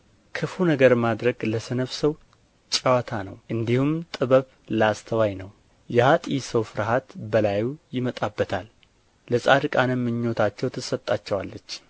ክፉ ነገር ማድረግ ለሰነፍ ሰው ጨዋታ ነው እንዲሁም ጥበብ ለአስተዋይ ነው የኀጥእ ሰው ፍርሃት በላዩ ይመጣበታል ለጻድቃንም ምኞታቸው ትሰጣቸዋለች